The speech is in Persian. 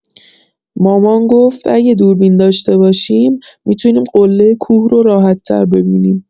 مامان گفت: اگه دوربین داشته باشیم، می‌تونیم قله کوه رو راحت‌تر ببینیم.